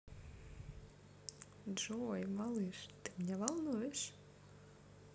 джой малыш ты меня волнуешь